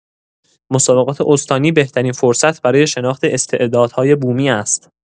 مسابقات استانی بهترین فرصت برای شناخت استعدادهای بومی است.